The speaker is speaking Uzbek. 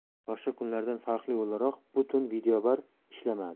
boshqa kunlardan farqli o'laroq bu tun videobar ishlamadi